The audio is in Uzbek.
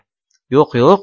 yo'q yo'q